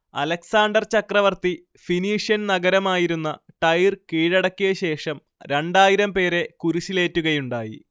Alexander ചക്രവർത്തി Phoenician നഗരമായിരുന്ന Tyre കീഴടക്കിയശേഷം രണ്ടായിരം പേരെ കുരിശിലേറ്റുകയുണ്ടായി